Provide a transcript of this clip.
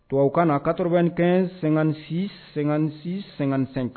To ka na katoban in kɛ sensi sensi sensen